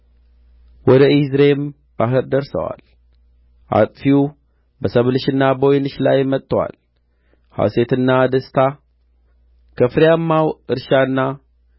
ወደ ኢያዜርም ባሕር ደርሰዋል አጥፊው በሰብልሽና በወይንሽ ላይ መጥቶአል ሐሤትና ደስታ ከፍሬያማው እርሻና